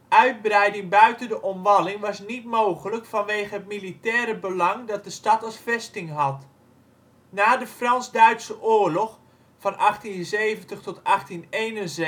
Uitbreiding buiten de omwalling was niet mogelijk vanwege het militaire belang dat de stad als vesting had. Na de Frans – Duitse Oorlog van 1870 – 1871